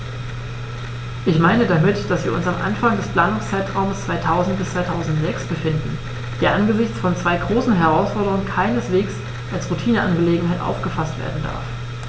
Ich meine damit, dass wir uns am Anfang des Planungszeitraums 2000-2006 befinden, der angesichts von zwei großen Herausforderungen keineswegs als Routineangelegenheit aufgefaßt werden darf.